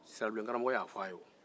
sirabilenkaramɔgɔ y'a fɔ a ye wo